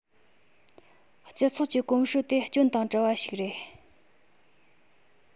སྤྱི ཚོགས ཀྱི གོམས སྲོལ དེ སྐྱོན དང བྲལ བ ཞིག རེད